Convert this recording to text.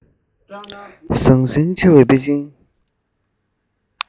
ཟང ཟིང ཆེ བའི པེ ཅིན